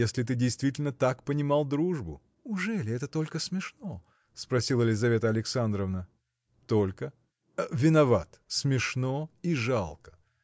если ты действительно так понимал дружбу. – Ужели это только смешно? – спросила Лизавета Александровна. – Только. Виноват: смешно и жалко.